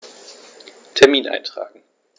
Termin eintragen